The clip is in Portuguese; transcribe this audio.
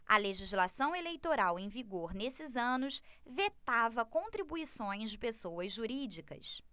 a legislação eleitoral em vigor nesses anos vetava contribuições de pessoas jurídicas